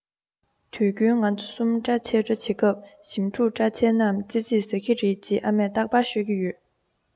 དུས རྒྱུན ང ཚོ གསུམ པྲ ཆལ འདྲ བྱེད སྐབས ཞིམ ཕྲུག པྲ ཆལ རྣམས ཙི ཙིས ཟ གི རེད ཅེས ཨ མས རྟག པར ཤོད ཀྱི ཡོད